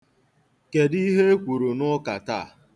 Kedụ ihe e kwuru n'ụka taa?